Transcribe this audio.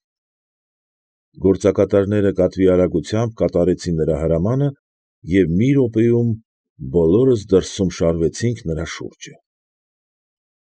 Գործակատարները կատվի արագությամբ կատարեցին նրա հրամանը, և մի րոպեում բոլորս դրսում շարվեցինք նրա շուրջը։